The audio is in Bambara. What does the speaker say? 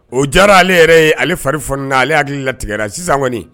O diyara ale yɛrɛ ye ale fari fonina ale hakili latigɛ la, sisan kɔni.